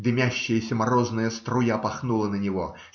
Дымящаяся морозная струя пахнула на него.